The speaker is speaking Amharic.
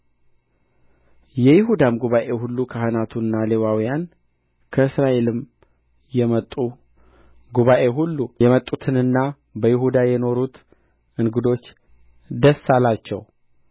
የይሁዳም ጉባኤ ሁሉ ካህናቱና ሌዋውያኑ ከእስራኤልም የመጡ ጉባኤ ሁሉ የመጡትና በይሁዳ የኖሩት እንግዶች ደስ አላቸው